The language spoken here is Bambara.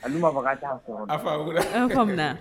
A faga a fa faamuya